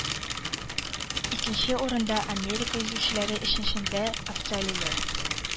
Икенче урында – Америка йөзүчеләре өченчедә – австралиялеләр